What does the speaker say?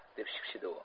deb shipshidi u